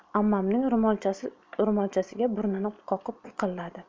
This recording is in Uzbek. ammam ro'molchasiga burnini qoqib piqilladi